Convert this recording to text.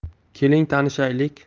keling tanishaylik